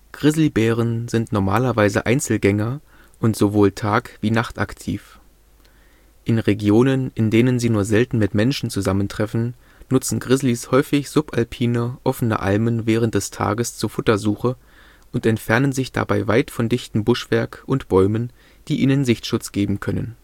Grizzlybären sind normalerweise Einzelgänger und sowohl tag - wie nachtaktiv. In Regionen, in denen sie nur selten mit Menschen zusammentreffen, nutzen Grizzlys häufig subalpine, offene Almen während des Tages zur Futtersuche und entfernen sich dabei weit von dichtem Buschwerk und Bäumen, die ihnen Sichtschutz geben können